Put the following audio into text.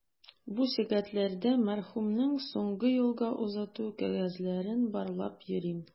Бу сәгатьләрдә мәрхүмнең соңгы юлга озату кәгазьләрен барлап йөрим.